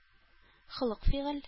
Холык-фигыль